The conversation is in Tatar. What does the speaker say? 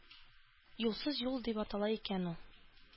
«юлсыз юл» дип атала икән ул.